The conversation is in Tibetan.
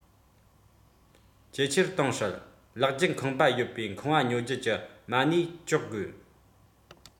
ཇེ ཆེར གཏོང སྲིད ལག བརྒྱུད ཁང པ ཡོད པའི ཁང བ ཉོ རྒྱུ གྱི མ གནས གཅོག དགོས